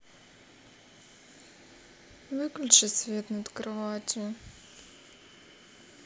выключи свет над кроватью